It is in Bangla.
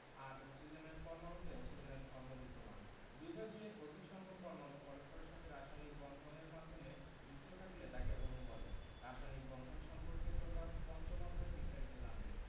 আর অক্সিজেনের পরমাণুতে অক্সিজেনের ধর্ম বিদ্যমান দুই বা দুইয়ের অধিক সংখ্যক পরমাণু পরস্পরের সাথে রাসায়নিক বন্ধন এর মাধ্যমে যুক্ত থাকলে তাকে অণু বলে রাসায়নিক বন্ধন সম্পর্কে তোমরা পঞ্চম অধ্যায়ে বিস্তারিত জানবে